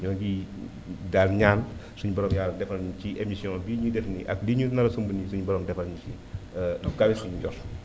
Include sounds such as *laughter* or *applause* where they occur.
ñoo ngii daan ñaan suñu borom yàlla defal ñu ci émission bii ñuy def nii ak li ñu nar a sumb nii suñu borom defal ñu si *hesitation* lu kawe suñu njort